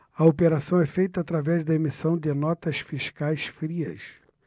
a operação é feita através da emissão de notas fiscais frias